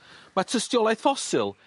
Ma' tystiolaeth ffosil